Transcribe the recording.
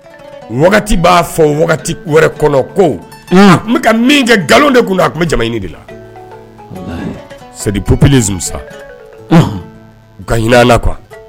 Wagati b'a fɔ wagati wɛrɛ kɔnɔ ko n bɛka ka min kɛ nkalon de tun don a tun bɛ ja de la selipsa ka ɲin qu